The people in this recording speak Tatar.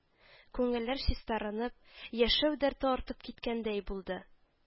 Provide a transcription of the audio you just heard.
Күңелләр чистарынып, яшәү дәрте артып киткәндәй булды